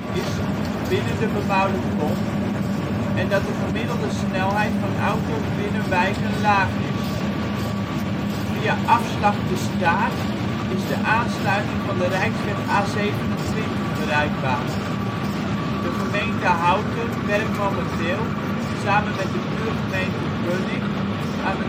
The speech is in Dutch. is binnen de bebouwde kom en dat de gemiddelde snelheid van auto 's binnen wijken laag is. Via afslag " De Staart " is de aansluiting op de Rijksweg A27 bereikbaar; de gemeente Houten werkt momenteel, samen met de buurgemeente Bunnik aan